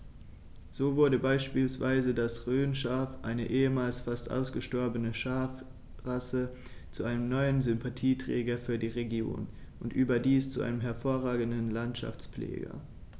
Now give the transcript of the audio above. So wurde beispielsweise das Rhönschaf, eine ehemals fast ausgestorbene Schafrasse, zu einem neuen Sympathieträger für die Region – und überdies zu einem hervorragenden Landschaftspfleger.